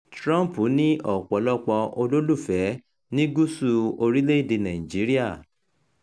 Trump ní ọ̀pọ̀lọpọ̀ olólùfẹ́ ní gúúsù orílẹ̀-èdèe Nàìjíríà